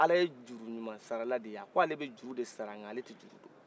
ala ye juruɲumasarala de ye a ko ale bɛ juru de sara nka ale tɛ juru don